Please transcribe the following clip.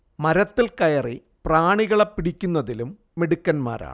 മരത്തിൽ കയറി പ്രാണികളെ പിടിയ്ക്കുന്നതിലും മിടുക്കന്മാണ്